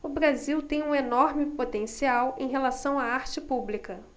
o brasil tem um enorme potencial em relação à arte pública